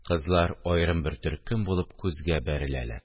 Кызлар аерым бер төркем булып күзгә бәреләләр